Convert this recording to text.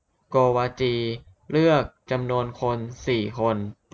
โกวาจีเลือกจำนวนคนสี่คน